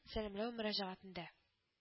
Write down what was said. Сәламләү мөрәҗәгатендә